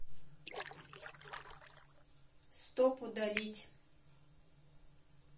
стоп удалить